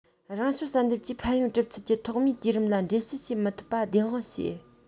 རང བྱུང བསལ འདེམས ཀྱིས ཕན ཡོད གྲུབ ཚུལ གྱི ཐོག མའི དུས རིམ ལ འགྲེལ བཤད བྱེད མི ཐུབ པ བདེན དཔང བྱས